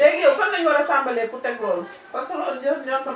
léegi yow fan la ñu war a tàmbalee pour teg loolu parce loolu yëpp ñor na ma